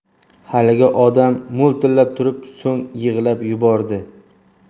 haligi odam mo'ltillab turib so'ng yig'lab yubordi